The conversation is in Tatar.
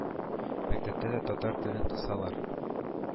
Мәктәптә дә татар телен кысалар